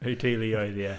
Eu teuluoedd, ie.